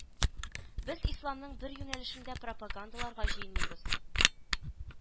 Без исламның бер юнәлешен дә пропагандаларга җыенмыйбыз